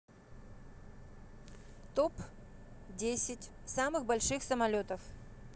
топ десять самых больших самолетов